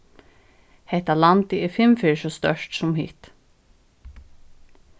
hatta landið er fimm ferðir so stórt sum hitt